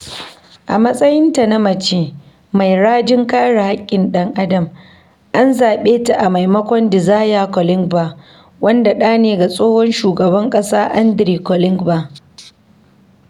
A matsayinta na mace mai rajin kare haƙƙin ɗan-adam, an zaɓe ta a maimakon Désiré Kolingba, wanda ɗa ne ga tsohon Shugaban ƙasa André Kolingba.